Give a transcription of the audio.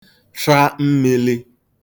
rha mmīlī